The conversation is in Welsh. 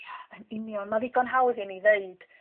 Ia yn union ma'n ddigon hawdd i ni ddeud